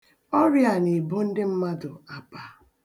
Ọrịa a na-ebo ndị mmadụ apa.